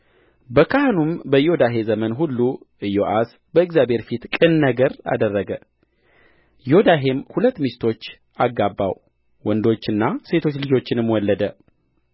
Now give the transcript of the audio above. በካህኑም በዮዳሄ ዘመን ሁሉ ኢዮአስ በእግዚአብሔር ፊት ቅን ነገር አደረገ ዮዳሄም ሁለት ሚስቶች አጋባው ወንዶችና ሴቶች ልጆችንም ወለደ